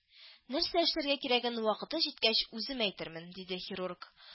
— нәрсә эшләргә кирәген вакыты җиткәч үзем әйтермен, — диде хирург